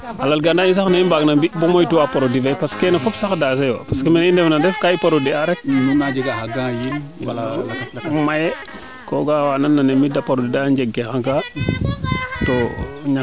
a lal gana in sax ne i mbaang na mbi bo moytu wa produit fee parce kaaga fop sax dangers yoo parce ne i ndef na ndef prduit a rek a jega xa gant yiin lakas laks mayee ko ga a wa nan nena mi de produit a njeg ka ankato